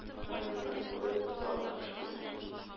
Муеныннан үбеп колагына пышылдый: